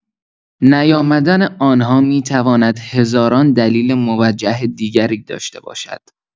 نیامدن آن‌ها می‌تواند هزاران دلیل موجه دیگری داشته باشد.